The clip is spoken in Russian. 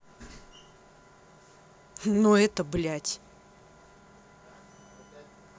но это блядь